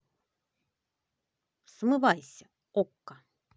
смывайся окко